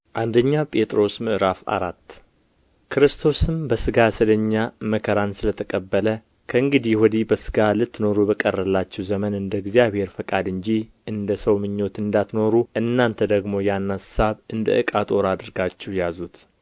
አንደኛ ጴጥሮስ ምዕራፍ አራት ክርስቶስም በሥጋ ስለ እኛ መከራን ስለተቀበለ ከእንግዲህ ወዲህ በሥጋ ልትኖሩ በቀረላችሁ ዘመን እንደ እግዚአብሔር ፈቃድ እንጂ እንደ ሰው ምኞት እንዳትኖሩ እናንተ ደግሞ ያን አሳብ እንደ ዕቃ ጦር አድርጋችሁ ያዙት